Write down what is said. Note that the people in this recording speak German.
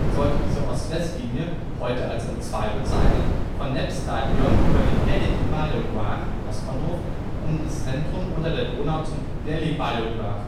sollte diese Ost-West-Linie, heute als M2 bezeichnet, vom Népstadion über den Keleti pályaudvar (Ostbahnhof) und das Zentrum unter der Donau zum Déli pályaudvar